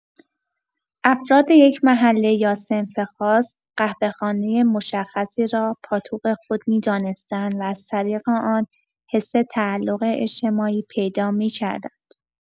افراد یک محله یا صنف خاص، قهوه‌خانه مشخصی را پاتوق خود می‌دانستند و از طریق آن، حس تعلق اجتماعی پیدا می‌کردند.